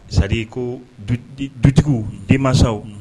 Sa ko dutigiw denmansaw